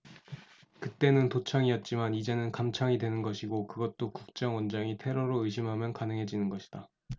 그 때는 도청이었지만 이제는 감청이 되는 것이고 그것도 국정원장이 테러로 의심하면 가능해지는 것이다